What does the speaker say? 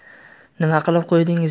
nima qilib qo'ydingiz